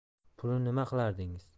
pulni nima qilardingiz